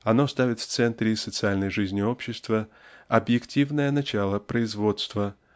оно ставите центре социальной жизни общества объективное начало производства